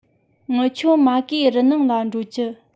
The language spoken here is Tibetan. ངི ཆོ མ གིའི རུ ནང ང འགྱོ རྒྱུ